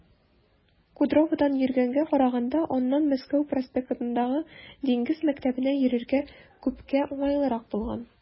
Кудроводан йөргәнгә караганда аннан Мәскәү проспектындагы Диңгез мәктәбенә йөрергә күпкә уңайлырак булган.